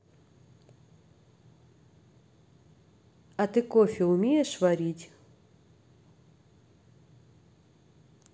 а ты кофе умеешь варить